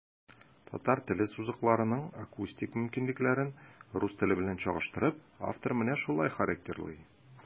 Татар теле сузыкларының акустик мөмкинлекләрен, рус теле белән чагыштырып, автор менә шулай характерлый.